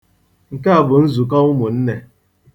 Nke a bụ nzukọ ụmụnne.